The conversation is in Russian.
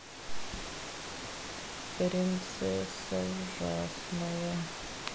принцесса ужасная